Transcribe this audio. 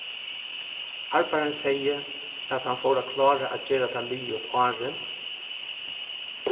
arbeiðarin segði at hann fór at klára at gera tað liðugt áðrenn